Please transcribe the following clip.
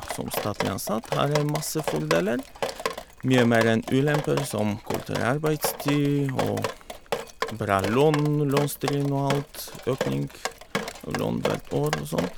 Som statlig ansatt har jeg masse fordeler, mye mer enn ulemper, som kortere arbeidstid og bra lønn, lønnstrinn og alt, økning av lønn hvert år og sånt.